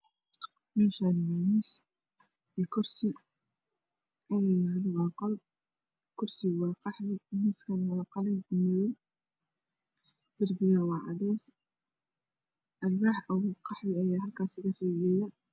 Meeshaan waa miis iyo kursi waana qol. Kursigu waa qaxwi miiskana waa qalin iyo madow. Darbiguna waa cadeys alwaax qaxwi ah ayaa halkaas kasoo jeedo.